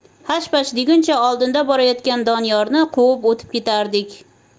hash pash deguncha oldinda borayotgan doniyorni quvib o'tib ketardik